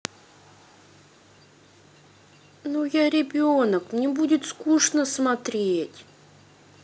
ну я ребенок мне будет скучно смотреть